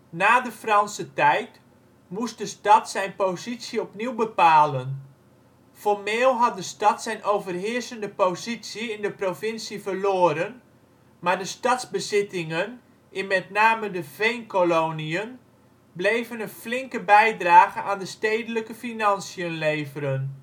Na de Franse tijd moest de stad zijn positie opnieuw bepalen. Formeel had de stad zijn overheersende positie in de provincie verloren, maar de stadsbezittingen in met name de Veenkoloniën bleven een flinke bijdrage aan de stedelijke financiën leveren